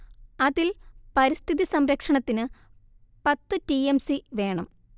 അതിൽ പരിസ്ഥിതിസംരക്ഷണത്തിന് പത്ത് ടി എം സി വേണം